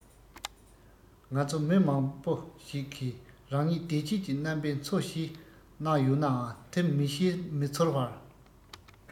ང ཚོ མི མང པོ ཞིག གིས རང ཉིད བདེ སྐྱིད ཀྱི རྣམ པས འཚོ གཞེས གནང ཡོད ནའང དེ མི ཤེས མི ཚོར བར